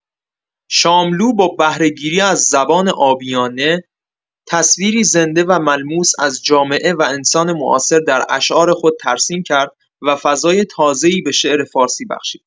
شاملو با بهره‌گیری از زبان عامیانه، تصویری زنده و ملموس از جامعه و انسان معاصر در اشعار خود ترسیم کرد و فضای تازه‌ای به شعر فارسی بخشید.